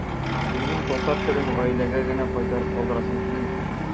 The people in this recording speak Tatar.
Минем татар телен гаиләгә генә кайтарып калдырасым килми.